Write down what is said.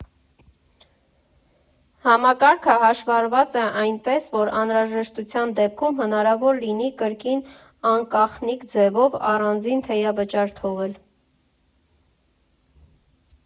Համակարգը հաշվարկված է այնպես, որ անհրաժեշտության դեպքում հնարավոր լինի կրկին անկախնիկ ձևով առանձին թեյավճար թողել։